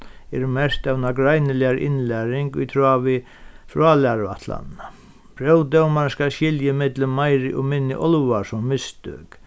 eru merkt av nágreiniligari innlæring í tráð við frálæruætlanina próvdómarin skal skilja í millum meiri og minni álvarsom mistøk